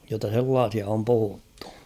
jotta sellaisia on puhuttu